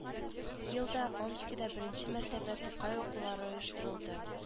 Елда омскида беренче мәртәбә тукай укулары оештырылды